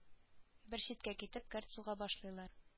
Бер читкә китеп карт суга башлыйлар